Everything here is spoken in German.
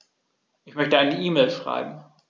Ich möchte eine E-Mail schreiben.